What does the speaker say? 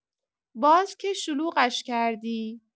باز که شلوغش کردی؟